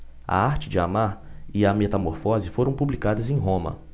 a arte de amar e a metamorfose foram publicadas em roma